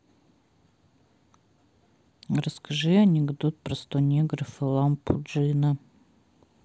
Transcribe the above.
расскажи анекдот про сто негров и лампу джина